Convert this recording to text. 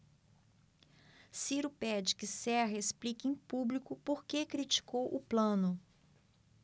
ciro pede que serra explique em público por que criticou plano